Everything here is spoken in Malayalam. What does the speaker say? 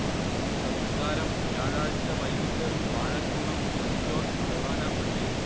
സംസ്കാരം വ്യാഴാഴ്ച വൈകീട്ട് വാഴക്കുളം സെന്റ് ജോർജ് ഫൊറാന പള്ളിയിൽ